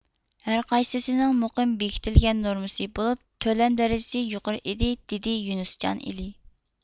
ھەرقايسىسىنىڭ مۇقىم بېكىتىلگەن نورمىسى بولۇپ تۆلەم دەرىجىسى يۇقىرى ئىدى دېدى يۈنۈسجان ئېلى